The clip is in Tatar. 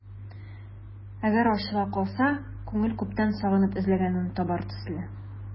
Әгәр ачыла калса, күңел күптән сагынып эзләгәнен табар төсле...